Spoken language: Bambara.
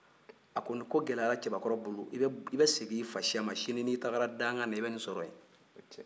a ko ni ko gɛlɛyara cɛbakɔrɔ bolo i bɛ segin i fasiya ma sini n'i taara danga na i bɛ nin sɔrɔ yen